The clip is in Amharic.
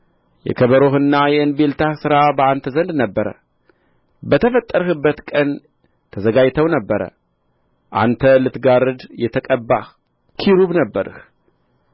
የከበሮህና የእንቢልታህ ሥራ በአንተ ዘንድ ነበረ በተፈጠርህበት ቀን ተዘጋጅተው ነበር አንተ ልትጋርድ የተቀባህ ኪሩብ ነበርህ